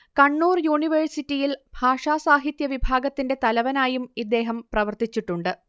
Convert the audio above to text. കണ്ണൂർ യൂണിവേയ്സിറ്റിയിൽ ഭാഷാ സാഹിത്യവിഭാഗത്തിന്റെ തലവനായും ഇദ്ദേഹം പ്രവർത്തിച്ചിട്ടുണ്ട്